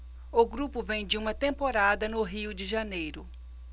o grupo vem de uma temporada no rio de janeiro